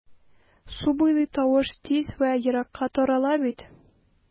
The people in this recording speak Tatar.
Су буйлый тавыш тиз вә еракка тарала бит...